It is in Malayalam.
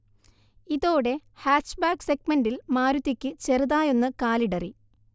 ഇതോടെ ഹാച്ച്ബാക്ക് സെഗ്മന്റെിൽ മാരുതിക്ക് ചെറുതായൊന്ന് കാലിടറി